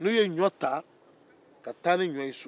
n'u ye ɲɔ ta ka taa ni ɲɔ ye so